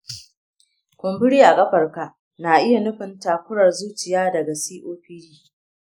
kumburi a ƙafarka na iya nufin takurar zuciya daga copd.